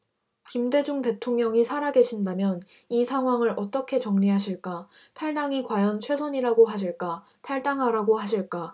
김대중 대통령이 살아계신다면 이 상황을 어떻게 정리하실까 탈당이 과연 최선이라고 하실까 탈당하라고 하실까